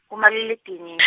kumaliledini- .